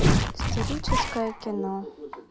исторические кино